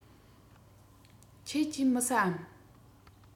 ཁྱེད ཀྱིས མི ཟ འམ